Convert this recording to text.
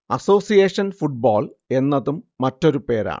association football എന്നതും മറ്റൊരു പേരാണ്